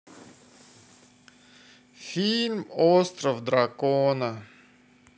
фильм остров дракона